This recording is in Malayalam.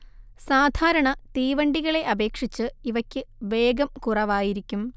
സാധാരണ തീവണ്ടികളെ അപേക്ഷിച്ച് ഇവക്ക് വേഗം കുറവായിരിക്കും